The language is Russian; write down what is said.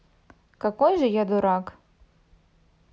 какой же я дурак